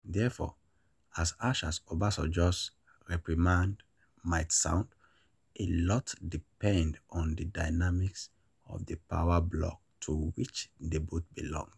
Therefore, as harsh as Obasanjo’s reprimand might sound, a lot depends on the dynamics of the power block to which they both belong.